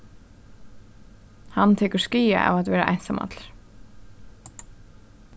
hann tekur skaða av at vera einsamallur